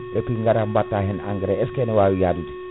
épuis gara batta hen engrais est ce que ene wawi yadude